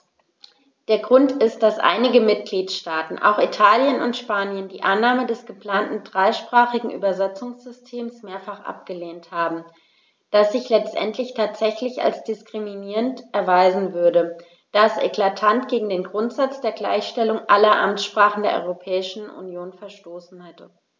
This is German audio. Der Grund ist, dass einige Mitgliedstaaten - auch Italien und Spanien - die Annahme des geplanten dreisprachigen Übersetzungssystems mehrfach abgelehnt haben, das sich letztendlich tatsächlich als diskriminierend erweisen würde, da es eklatant gegen den Grundsatz der Gleichstellung aller Amtssprachen der Europäischen Union verstoßen hätte.